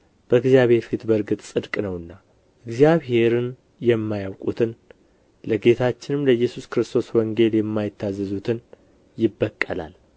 በእግዚአብሔር ፊት በእርግጥ ጽድቅ ነውና እግዚአብሔርን የማያውቁትን ለጌታችንም ለኢየሱስ ክርስቶስ ወንጌል የማይታዘዙትን ይበቀላል